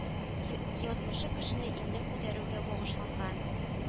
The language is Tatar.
Й язмышы кешене илне күтәрүгә багышланган